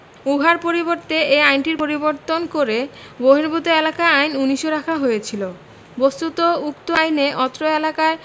উহার পরবর্তীতে ঐ আইনটি পরিবর্তন করে বহির্ভূত এলাকা আইন ১৯০০ রাখা হয়েছিল বস্তুত উক্ত আইনে অত্র এলাকায়